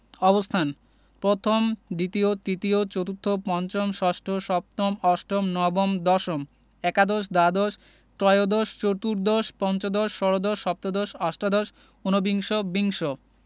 অবস্থানঃ পথম দ্বিতীয় তিতীয় চতুর্থ পঞ্চম ষষ্ঠ সপ্তম অষ্টম নবম দশম একাদশ দ্বাদশ ত্ৰয়োদশ চতুর্দশ পঞ্চদশ ষোড়দশ সপ্তদশ অষ্টাদশ উনবিংশ বিংশ